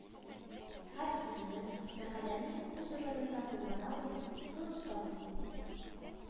Һәр сүзне, мәкальне үз урынында куллана белү – зур осталык ул